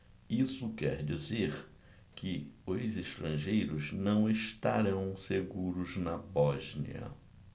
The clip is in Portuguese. isso quer dizer que os estrangeiros não estarão seguros na bósnia